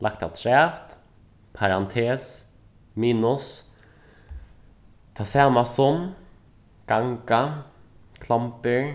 lagt afturat parantes minus tað sama sum ganga klombur